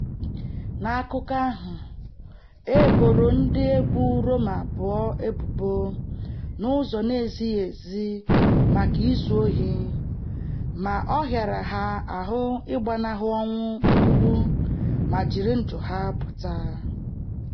N'akụkọ ahụ, e boro ndị egwu Roma abụọ ebubo n'ụzọ na-ezighị ezi maka izu ohi ma ọ hịara ha ahụ ịgbanaghụ ọnwụ nkugbu ma jiri ndụ ha pụta.